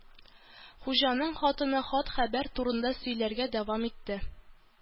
Хуҗаның хатыны хат-хәбәр турында сөйләргә дәвам итте